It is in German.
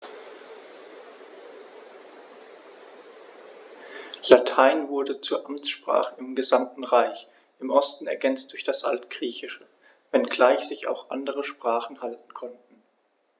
Latein wurde zur Amtssprache im gesamten Reich (im Osten ergänzt durch das Altgriechische), wenngleich sich auch andere Sprachen halten konnten.